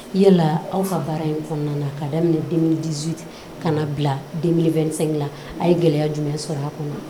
Yala aw fa baara in kɔnɔna kaa daminɛ den dizoti ka bila2sɛn in na a ye gɛlɛya jumɛn sɔrɔ a kɔnɔ